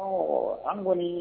Ɔ an kɔni